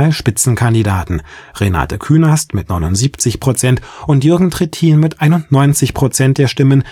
Bundestagswahl-Spitzenkandidaten, Renate Künast (79 % der Stimmen) und Jürgen Trittin (91 % der Stimmen